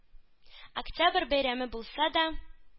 Октябрь бәйрәме булса да